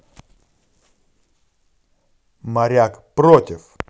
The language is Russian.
моряк против